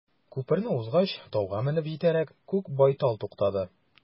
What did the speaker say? Күперне узгач, тауга менеп җитәрәк, күк байтал туктады.